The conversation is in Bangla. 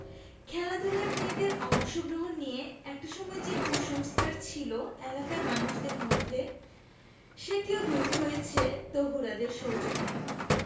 খেলাধুলায় মেয়েদের অংশগ্রহণ নিয়ে একটা সময় যে কুসংস্কার ছিল এলাকার মানুষের মধ্যে সেটিও দূর হয়েছে তহুরাদের সৌজন্যে